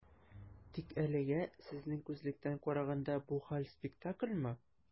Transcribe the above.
Тик әлегә, сезнең күзлектән караганда, бу хәл - спектакльмы?